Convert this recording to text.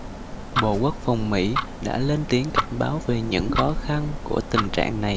bộ quốc phòng mỹ đã lên tiếng cảnh báo về những khó khăn của tình trạng này